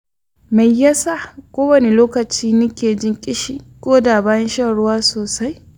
me yasa kowane lokaci nike jin ƙishi koda bayan shan ruwa sosai?